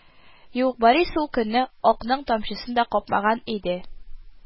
Юк, Борис ул көнне «ак»ның тамчысын да капмаган иде